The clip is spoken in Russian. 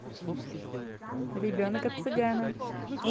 ребенок от цыгана